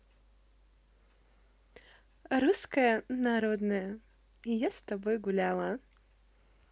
русская народная я с тобой гуляла